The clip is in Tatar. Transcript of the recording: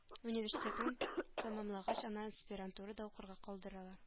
Университетны тәмамлагач аны аспирантурада укырга калдыралар